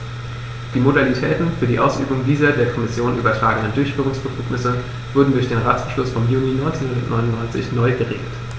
Die Modalitäten für die Ausübung dieser der Kommission übertragenen Durchführungsbefugnisse wurden durch Ratsbeschluss vom Juni 1999 neu geregelt.